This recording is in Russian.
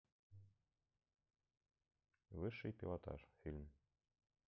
высший пилотаж фильм